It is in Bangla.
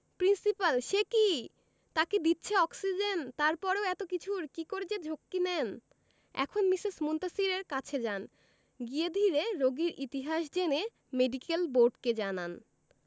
প্রিন্সিপাল সে কি তাকে দিচ্ছে অক্সিজেন তারপরেও এত কিছুর কি করে যে ঝক্কি নেন এখন মিসেস মুনতাসীরের কাছে যান গিয়ে ধীরে রোগীর ইতিহাস জেনে মেডিকেল বোর্ডকে জানান